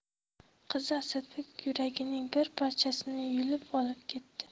qizi asadbek yuragining bir parchasini yulib olib ketdi